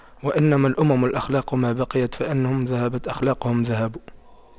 وإنما الأمم الأخلاق ما بقيت فإن هم ذهبت أخلاقهم ذهبوا